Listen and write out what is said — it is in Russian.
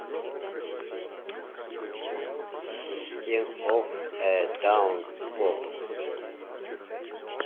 system of a down bob